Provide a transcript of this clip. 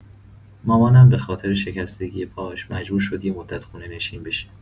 مامانم به‌خاطر شکستگی پاش، مجبور شد یه مدت خونه‌نشین بشه.